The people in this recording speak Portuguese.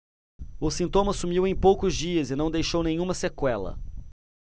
o sintoma sumiu em poucos dias e não deixou nenhuma sequela